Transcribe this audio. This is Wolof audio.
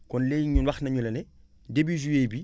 kon léegi ñun wax nañu la ne début juillet bi